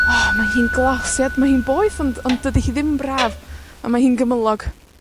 O mae hi'n glosiad, mae hi'n boeth, ond, ond dydi hi ddim yn braf, a mae hi'n gymylog.